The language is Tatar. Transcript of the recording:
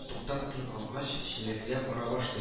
Туктап тын алгач, чиләкләп ора башлый